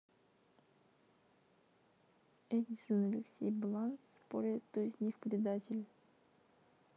эдисон алексей баланс спорят кто из них предатель